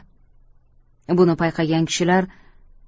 buni payqagan kishilar